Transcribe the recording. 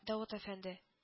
Давыт әфәнде